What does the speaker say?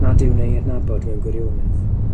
Nad yw'n ei adnabod mewn gwirionedd.